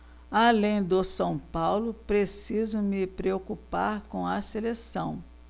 além do são paulo preciso me preocupar com a seleção